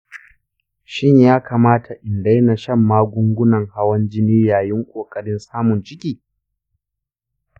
shin ya kamata in daina shan magungunan hawan jini yayin ƙoƙarin samun ciki?